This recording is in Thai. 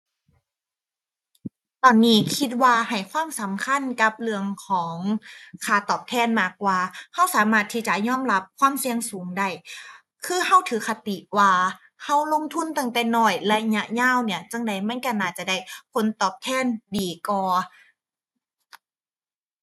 ตอนนี้คิดว่าให้ความสำคัญกับเรื่องของค่าตอบแทนมากกว่า เราสามารถที่จะยอมรับความเสี่ยงสูงได้ คือเราถือคติว่า เราลงทุนตั้งแต่น้อย ระยะยาวเนี่ย จั่งใดมันเราน่าจะได้ผลตอบแทนดีกว่า